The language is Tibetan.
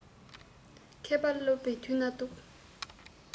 མཁས པ སློབ པའི དུས ན སྡུག